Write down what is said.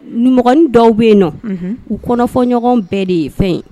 Nin dɔw bɛ yen nɔ ufɔɲɔgɔn bɛɛ de ye fɛn yen